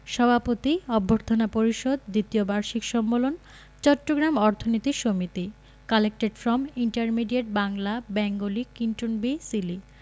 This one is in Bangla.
সভাপতি অভ্যর্থনা পরিষদ দ্বিতীয় বার্ষিক সম্মেলন চট্টগ্রাম অর্থনীতি সমিতি collected from intermediate Bangla Bengali Clinton B Seely